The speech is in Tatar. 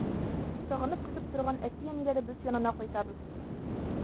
Сагынып көтеп торган әти-әниләребез янына кайтабыз.